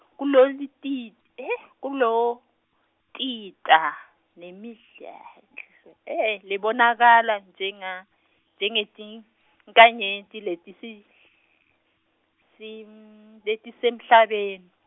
kulolutit-, hhe, kulotita, nemidl- , lebonakala, njenga, njengetinkhanyeti letisi, sim-, letisemhlabeni.